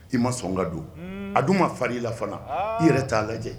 I ma sɔnka don a dun ma fa i lafana i yɛrɛ t'a lajɛ